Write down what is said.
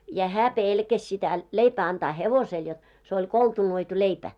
ja hän pelkäsi sitä leipää antaa hevoselle jotta se oli koltunoitu leipä